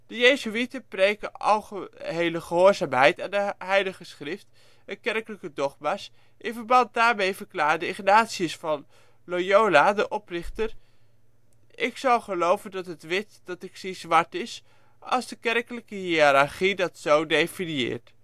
jezuïeten preken algehele gehoorzaamheid aan de Heilige Schrift en kerkelijk dogma, in verband daarmee verklaarde Ignatius van Loyola, de oprichter: " Ik zal geloven dat het wit dat ik zie zwart is, als de kerkelijke hiërarchie dat zo definiëert